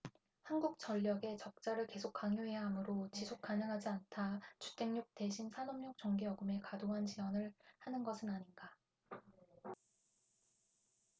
한국전력에 적자를 계속 강요해야 하므로 지속 가능하지 않다 주택용 대신 산업용 전기요금에 과도한 지원을 하는 것은 아닌가